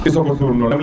i soga suur